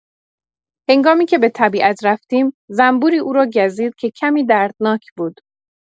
هنگامی‌که به طبیعت رفتیم، زنبوری او را گزید که کمی دردناک بود.